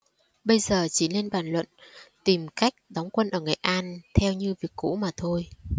bây giờ chỉ nên bàn luận tìm cách đóng quân ở nghệ an theo như việc cũ mà thôi